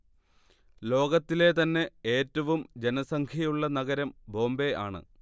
ലോകത്തിലെ തന്നെ ഏറ്റവും ജനസംഖ്യ ഉള്ള നഗരം ബോംബെ ആണ്